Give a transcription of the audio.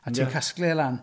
A ti'n casglu e lan.